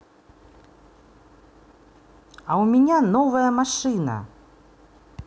а у меня новая машина